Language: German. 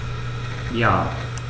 Ja.